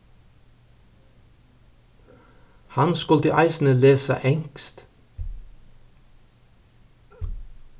hann skuldi eisini lesa enskt